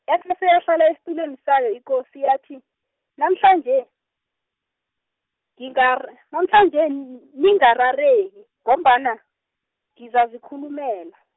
yafese yahlala esitulweni sayo ikosi yathi, namhlanje, ngingar- namhlanje ningarareki, ngombana, ngizazikhulumela.